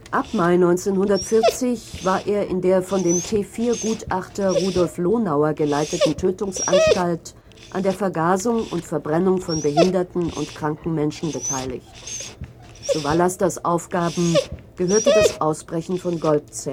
Ab Mai 1940 war er in der von dem T4-Gutachter Rudolf Lonauer geleiteten Tötungsanstalt an der Vergasung und Verbrennung von behinderten und kranken Menschen beteiligt. Zu Vallasters Aufgaben gehörte das Ausbrechen von Goldzähnen